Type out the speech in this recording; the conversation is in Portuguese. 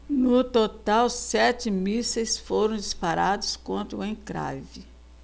no total sete mísseis foram disparados contra o encrave